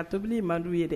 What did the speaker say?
A tobili i mand'u ye dɛ